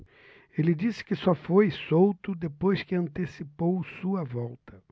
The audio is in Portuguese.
ele disse que só foi solto depois que antecipou sua volta